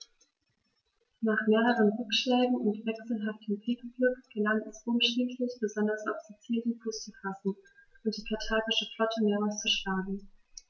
Nach mehreren Rückschlägen und wechselhaftem Kriegsglück gelang es Rom schließlich, besonders auf Sizilien Fuß zu fassen und die karthagische Flotte mehrmals zu schlagen.